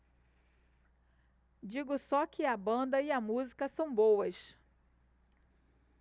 digo só que a banda e a música são boas